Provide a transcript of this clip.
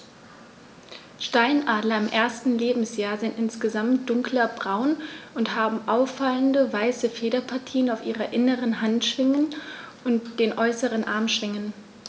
Steinadler im ersten Lebensjahr sind insgesamt dunkler braun und haben auffallende, weiße Federpartien auf den inneren Handschwingen und den äußeren Armschwingen.